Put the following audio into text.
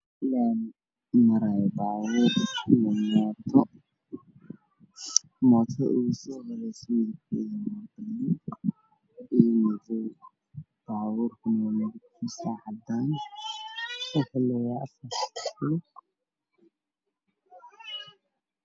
Waa laami waxaa maraayo mooto midifkeedu yahay guduud waxaa ii muuqda teendho midabkeedu yahay jaale iyo dabaq midifkiisii ay jaale